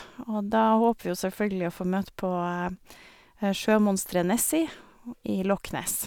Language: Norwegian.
Og da håper vi jo selvfølgelig å få møte på sjømonsteret Nessie i Loch Ness.